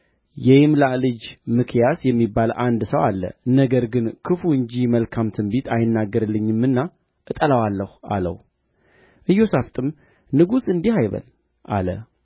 የይምላ ልጅ ሚክያስ የሚባል አንድ ሰው አለ ነገር ግን ክፉ እንጂ መልካም ትንቢት አይናገርልኝምና እጠላዋለሁ አለው ኢዮሣፍጥም ንጉሥ እንዲህ አይበል አለ